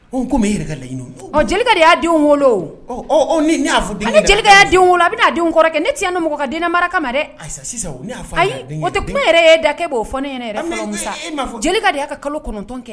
De y'a den wolo ni wolo a bɛna' denw kɔrɔkɛ ne ti ka di mara kama ma dɛ ayi o tɛ kuma yɛrɛ e da kɛ'o fɔ ne ka y'a ka kalo kɔnɔntɔn kɛ